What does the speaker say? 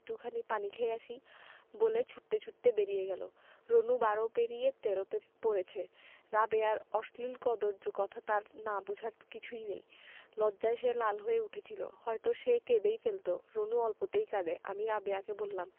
একটু পানি খেয়ে আসি বলে ছুটতে ছুটতে বেরিয়ে গেল রুনু বারো পেরিয়ে তেরোতে পড়েছে রাবেয়ার অশ্লীল কদৰ্য কথা তার না বুঝার কিছুই নেই লজ্জায় সে লাল হয়ে উঠেছিলো হয়তো সে কেঁদেই ফেলতো রুনু অল্পতেই কাঁদে আমি রাবেয়াকে বললাম